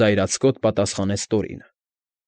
Զայրացկոտ պատասխանեց Տորինը։